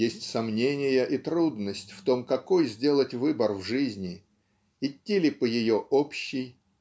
есть сомнения и трудность в том, какой сделать выбор в жизни идти ли по ее общей